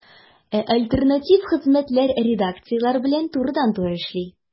Ә альтернатив хезмәтләр редакцияләр белән турыдан-туры эшли.